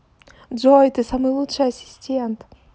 джой ты самый лучший ассистент